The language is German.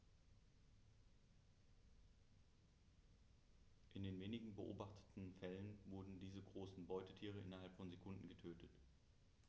In den wenigen beobachteten Fällen wurden diese großen Beutetiere innerhalb von Sekunden getötet.